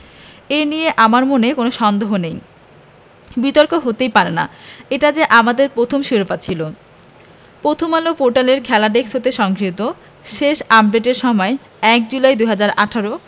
এ নিয়ে আমার মনে কোনো সন্দেহ নেই বিতর্ক হতেই পারে না এটা যে আমাদের প্রথম শিরোপা ছিল প্রথমআলো পোর্টালের খেলা ডেস্ক হতে সংগৃহীত শেষ আপডেটের সময় ১ জুলাই ২০১৮